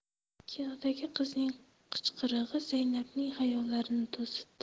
kinodagi qizning qichqirig'i zaynabning xayollarini to'zitdi